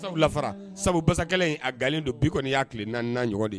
Lara sabubakɛ in a nkalon don bitɔn kɔni y'a tile naani naani ɲɔgɔn de